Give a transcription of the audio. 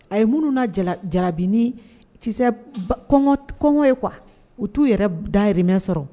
A ye minnu na jara tisɛ kɔngɔ ye kuwa u t'u yɛrɛ dayremɛ sɔrɔ